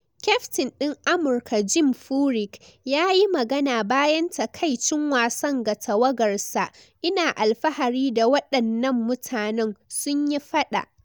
Kyaftin din Amurka Jim Furyk yayi magana bayan takaicin wasan ga tawagarsa, "Ina alfahari da wadannan mutanen, sun yi fada.